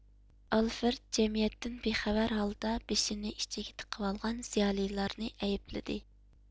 ئالفرېد جەمئىيەتتىن بىخەۋەر ھالدا بېشىنى ئىچىگە تىقىۋالغان زىيالىيلارنى ئەيىپلىدى